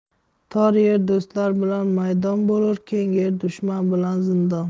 tor yer do'stlar bilan maydon bo'lur keng yer dushman bilan zindon